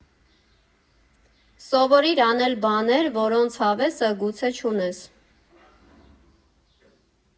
Սովորիր անել բաներ, որոնց հավեսը գուցե չունես։